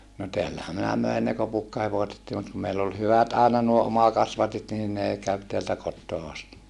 no täällähän minä möin ne kopukkahevosetkin mutta kun meillä oli hyvät aina nuo omakasvatit niin ne kävi täältä kotoa asti